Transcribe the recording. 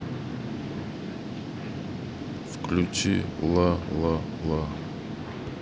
включи ла ла ла